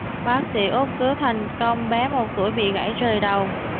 bác sĩ úc cứu thành công bé một tuổi bị gãy rời đầu